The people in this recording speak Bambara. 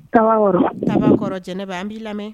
Tankɔrɔ jɛnɛɛnɛba an b'i lamɛn